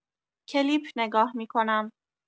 کلیپ نگاه می‌کنم.